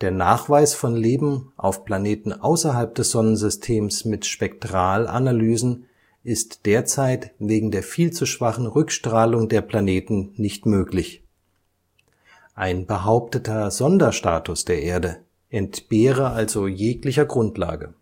Nachweis von Leben auf Planeten außerhalb des Sonnensystems mit Spektralanalysen ist derzeit wegen der viel zu schwachen Rückstrahlung der Planeten nicht möglich. Ein behaupteter Sonderstatus der Erde entbehre also jeglicher Grundlage